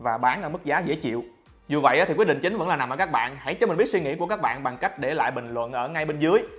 và bán ở mức giá dễ chịu dù vậy thì quyết định chính vẫn là nằm ở các bạn hãy cho mình biết suy nghĩ của các bạn bằng cách để lại bình luận ở ngay bên dưới